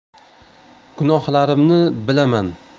gunohlarimni bilaman